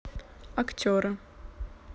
актеры